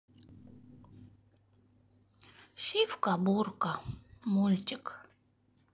сивка бурка мультик